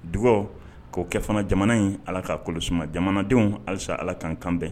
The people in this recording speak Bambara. Dugawu k'o kɛ fana jamana in ala k kaa koloma jamanadenw halisa ala kan kanbɛn